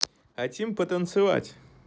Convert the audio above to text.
хотим потанцевать